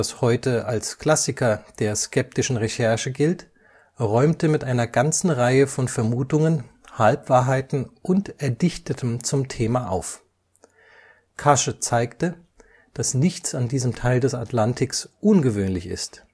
heute als Klassiker der skeptischen Recherche gilt, räumte mit einer ganzen Reihe von Vermutungen, Halbwahrheiten und Erdichtetem zum Thema auf. Kusche zeigte, dass nichts an diesem Teil des Atlantiks ungewöhnlich ist